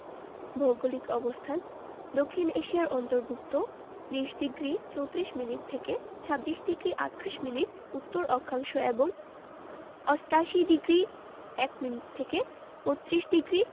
ভৌগোলিক অবস্থানঃ দক্ষিণ এশিয়ার অন্তর্ভুক্ত ২০ডিগ্রি ৩৪ মিনিট থেকে ২৬ ডিগ্রি ৩৮ মিনিট উত্তর অক্ষাংশ এবং ৮৮ ডিগ্রি ১ মিনিট থেকে ৩২ ডিগ্রি